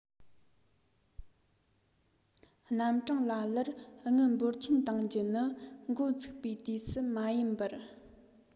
རྣམ གྲངས ལ ལར དངུལ འབོར ཆེན གཏོང རྒྱུ ནི འགོ ཚུགས པའི སྐབས སུ མ ཡིན པར